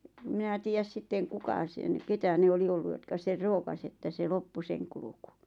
en minä tiedä sitten kuka sen keitä ne oli ollut jotka sen rookasi että se loppui sen kulku